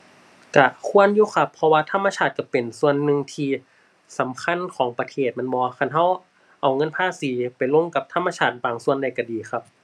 ก็ควรอยู่ครับ เพราะว่าธรรมชาติก็เป็นส่วนหนึ่งที่สำคัญของประเทศแม่นบ่ คันก็ เอาเงินภาษีไปลงกับธรรมชาติบางส่วนได้ก็ดีครับ